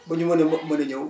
ba ñu mën a mën a ñëw